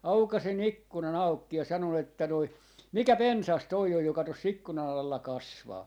aukaisin ikkunan auki ja sanoin että noin mikä pensas tuo on joka tuossa ikkunan alla kasvaa